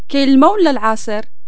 كاين لما أولا لعصير